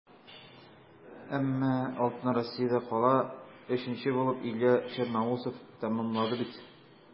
Әмма алтын Россиядә кала - өченче булып Илья Черноусов тәмамлады бит.